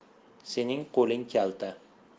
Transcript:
sening qo'ling kalta